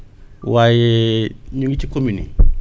waaye ñu ngi ci communes yi